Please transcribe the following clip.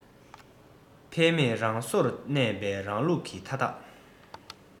འཕེལ མེད རང སོར གནས པའི རང རིགས ཀྱི མཐའ དག